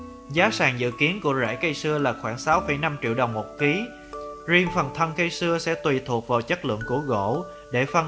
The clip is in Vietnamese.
giá sàn dự kiến của rễ cây sưa là triệu đồng kg riêng phần thân cây sưa sẽ tuỳ thuộc vào chất lượng gỗ